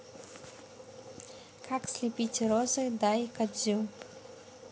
как слепить розы дай кадзю